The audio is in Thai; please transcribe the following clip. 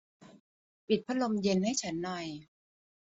ปิดพัดลมเย็นให้ฉันหน่อย